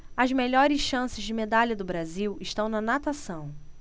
as melhores chances de medalha do brasil estão na natação